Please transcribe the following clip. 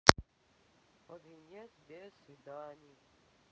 под венец без свиданий